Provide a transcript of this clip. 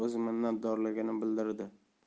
o'z minnatdorligini bildirdi